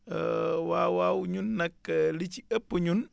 waaw waaw ñun nag li ci ëpp ñun